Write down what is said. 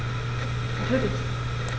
Natürlich.